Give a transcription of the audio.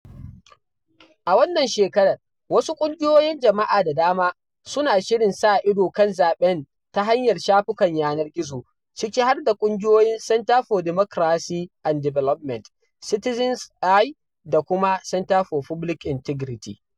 A wannan shekarar, wasu ƙungiyoyin jama'a da dama suna shirin sa ido kan zaɓen ta hanyar shafukan yanar gizo, ciki har da ƙungiyoyin Center for Democracy and Development, Citizen's Eye, da kuma Center for Public Integrity.